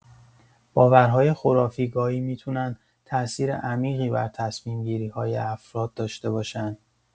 باورهای خرافی گاهی می‌تونن تاثیر عمیقی بر تصمیم‌گیری‌های افراد داشته باشن.